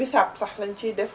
bisab sax lañu ciy def